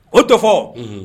O tɔ fɔ